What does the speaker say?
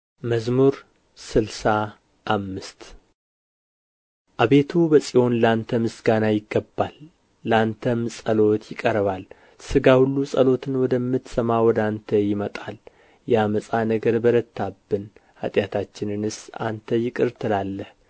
መዝሙር ስልሳ አምስት አቤቱ በጽዮን ለአንተ ምስጋና ይገባል ለአንተም ጸሎት ይቀርባል ሥጋ ሁሉ ጸሎትን ወደምትሰማ ወደ አንተ ይመጣል የዓመፃ ነገር በረታብን ኃጢአታችንንስ አንተ ይቅር ትላለህ